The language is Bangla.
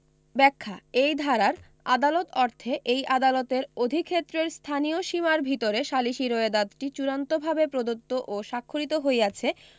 ব্যাখ্যা এই ধারার আদালত অর্থে এই আদালতের অধিক্ষেত্রের স্থানীয় সীমার ভিতরে সালিসী রোয়েদাদটি চূড়ান্তভাবে প্রদত্ত ও স্বাক্ষরিত হইয়াছে